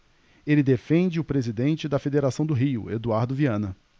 ele defende o presidente da federação do rio eduardo viana